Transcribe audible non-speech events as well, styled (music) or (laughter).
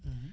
(hesitation) (hesitation)